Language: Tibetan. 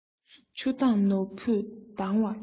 ཆུ མདངས ནོར བུས དྭངས པར བྱེད